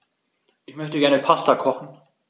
Ich möchte gerne Pasta kochen.